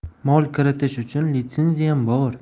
mol kiritish uchun litsenziyam bor